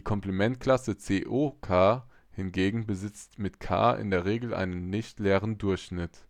Komplementklasse CoK hingegen besitzt mit K in der Regel einen nichtleeren Durchschnitt.